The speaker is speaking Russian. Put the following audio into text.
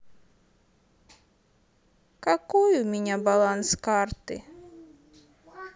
какой у меня баланс карты